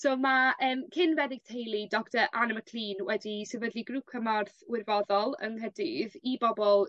So ma' yym cyn feddyg teulu doctor Anna McKleen wedi sefydlu grŵp cymorth wirfoddol yng Ngherdydd i bobol